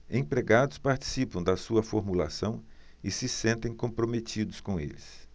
empregados participam da sua formulação e se sentem comprometidos com eles